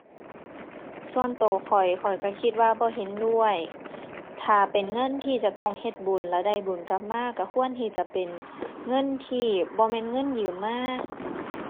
ส่วนตัวข้อย ข้อยตัวคิดว่าบ่เห็นด้วย ถ้าเป็นเงินที่จะต้องเฮ็ดบุญแล้วได้บุญกลับมาตัวควรที่จะเป็นเงินที่บ่แม่นเงินยืมมา